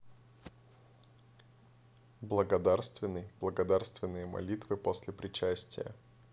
благодарственный благодарственные молитвы после причастия